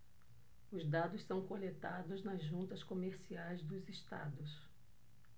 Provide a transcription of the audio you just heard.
os dados são coletados nas juntas comerciais dos estados